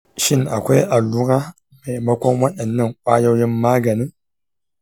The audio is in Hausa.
shin akwai allura maimakon waɗannan kwayoyin magani?